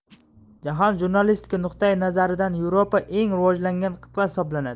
jahon jurnalistikasi nuqtai nazaridan yevropa eng rivojlangan qit'a hisoblanadi